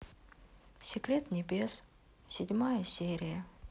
секрет небес седьмая серия